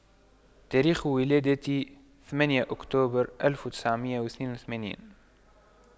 تاريخ ولادتي ثمانية أكتوبر ألف وتسعمئة وإثنين وثمانين